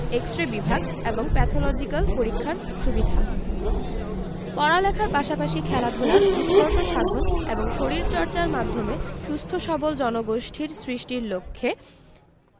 x ray বিভাগ এবং pathological পরীক্ষার সুবিধা পড়ালেখার পাশাপাশি খেলাধুলার উৎকর্ষ সাধন এবং শরীরচর্চার মাধ্যমে সুস্থ সবল জনগোষ্ঠী সৃষ্টির লক্ষ্যে